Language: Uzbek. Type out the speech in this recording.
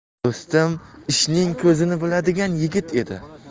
do'stim ishning ko'zini biladigan yigit edi